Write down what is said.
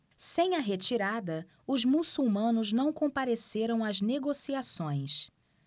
sem a retirada os muçulmanos não compareceram às negociações